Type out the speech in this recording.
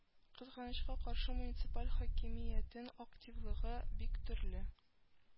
“кызганычка каршы, муниципаль хакимиятнең активлыгы бик төрле